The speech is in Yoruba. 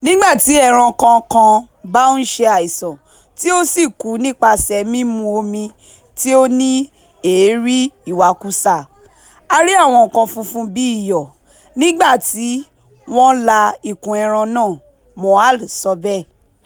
"Nígbà tí ẹranko kan bá ń ṣàìsàn tí ó sì kú nípasẹ̀ mímu omi tí ó ní èérí ìwakùsà, a rí àwọn nǹkan funfun bíi iyọ̀ nígbàtí wọ́n la ikùn ẹran náà," Moahl sọ bẹ́ẹ̀.